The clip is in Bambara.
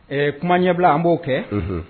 Ɛɛ kuma ɲɛbila an b'o kɛ